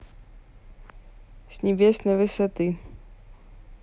с небесной высоты